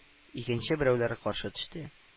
Икенче берәүләре каршы төште